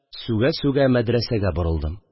Сүгә-сүгә мәдрәсәгә борылдым